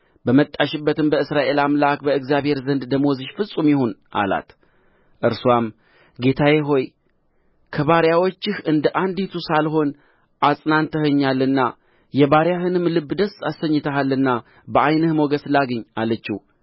በመጣሽበት በእስራኤል አምላክ በእግዚአብሔር ዘንድ ደመወዝሽ ፍጹም ይሁን አላት እርስዋም ጌታዬ ሆይ ከባሪያዎችህ እንደ አንዲቱ ሳልሆን አጽናንተኸኛልና የባሪያህንም ልብ ደስ አሰኝተሃልና በዓይንህ ሞገስ ላግኝ አለችው